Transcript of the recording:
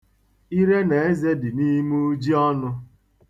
Ire na eze dị n'ime ujiọnū.